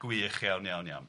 gwych iawn iawn iawn.